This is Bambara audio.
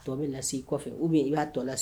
To bɛ na se kɔfɛ i b'a to la sisan